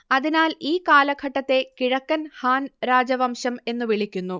അതിനാൽ ഈ കാലഘട്ടത്തെ കിഴക്കൻ ഹാൻ രാജവംശം എന്നു വിളിക്കുന്നു